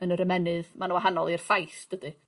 yn yr ymennydd ma'n wahanol i'r ffaith dydi?